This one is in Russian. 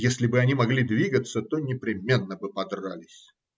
Если бы они могли двигаться, то непременно бы подрались.